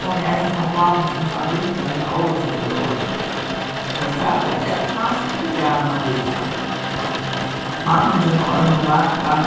munnu eisini hava bátin sum favoritt til at vinna ólavsøkuróðurin hvørt tað fer at eydnast fer dagurin at vísa manningin á orminum langa